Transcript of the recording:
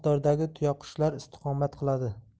miqdordagi tuyaqushlar istiqomat qiladi